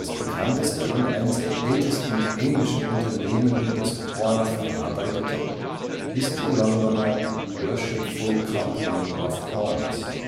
bekannteste und eines der ältesten englischen Unternehmen, das Horn verarbeitete, ist die Londoner Worshipful Company of Horners